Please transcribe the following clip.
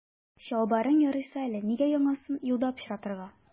Чалбарың ярыйсы әле, нигә яңасын юлда пычратырга.